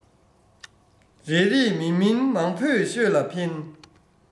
རེད རེད ཡིན ཡིན མང བོས ཤོད ལ འཕེན